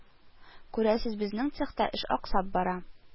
Күрәсез, безнең цехта эш аксап бара